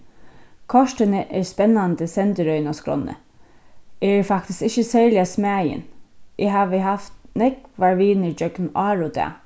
kortini er spennandi sendirøðin á skránni eg eri faktiskt ikki serliga smæðin eg havi havt nógvar vinir gjøgnum ár og dag